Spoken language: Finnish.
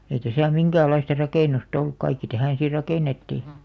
ei tässä minkäänlaista rakennusta ollut kaikki tähän sitten rakennettiin